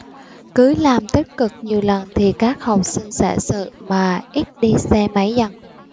cứ làm tích cực nhiều lần thì các học sinh sẽ sợ mà ít đi xe máy dần